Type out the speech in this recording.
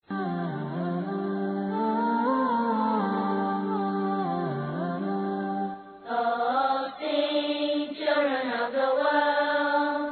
Den diɲɛ